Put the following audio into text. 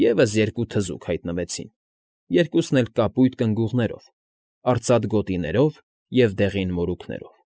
Եվս երկու թզուկ հայտնվեցին, երկուսն էլ կապույտ կնգուղներով, արծաթ գոտիներով և դեղին մորուքներով։